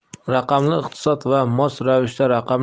raqamli iqtisod va mos ravishda